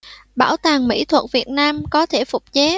bảo tàng mỹ thuật việt nam có thể phục chế